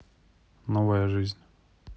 новая жизнь